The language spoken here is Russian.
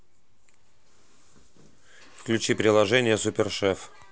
включи приложение супершеф